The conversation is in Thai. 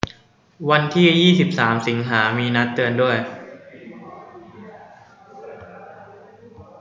วันที่ยี่สิบสามสิงหามีนัดเตือนด้วย